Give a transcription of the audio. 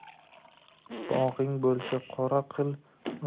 bog'ing bo'lsa qo'ra qil